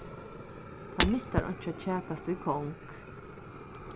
tað nyttar einki at kjakast við kong